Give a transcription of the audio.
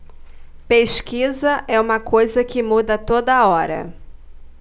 pesquisa é uma coisa que muda a toda hora